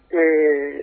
Un